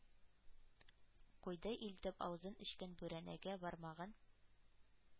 Куйды илтеп аузын эчкән бүрәнәгә бармагын,—